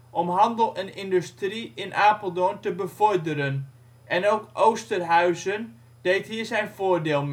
om handel en industrie in Apeldoorn te bevorderen en ook Oosterhuizen deed hier zijn voordeel